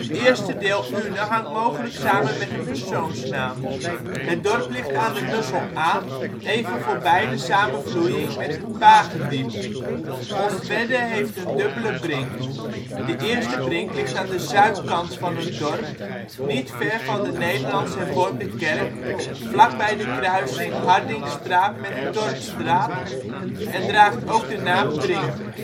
eerste deel Une hangt mogelijk samen met een persoonsnaam. Het dorp ligt aan de Mussel-Aa, even voorbij de samenvloeiing met het Pagediep. Onstwedde heeft een dubbele brink. De eerste brink ligt aan de zuidkant van het dorp, niet ver van de Nederlands-hervormde kerk, vlakbij de kruising Hardingstraat met de Dorpstraat, en draagt ook de naam Brink